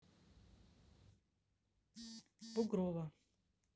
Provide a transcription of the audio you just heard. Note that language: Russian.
бугрова